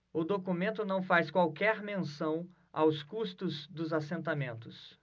o documento não faz qualquer menção aos custos dos assentamentos